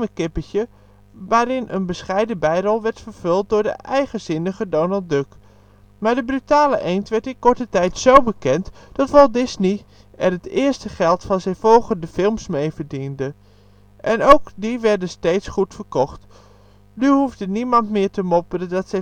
kippetje) waarin een bescheiden bijrol werd vervuld door de ' eigenzinnige ' Donald Duck. Maar de brutale eend werd in korte tijd zo bekend, dat Walt Disney er het eerste geld voor zijn volgende films mee verdiende. En ook die werden steeds goed verkocht. Nu hoefde niemand meer te mopperen dat